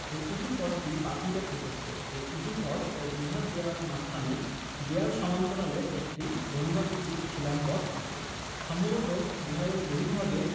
এই উঁচু পথটি ৫মিটার প্রশস্ত এই উঁচু পথ ও বিহার দেয়ালের মাঝখানে দেয়াল সমান্তরালে একটি ধনুকাকৃতির খিলান পথ আছে সম্ভবত বিহারের বর্হিভাগে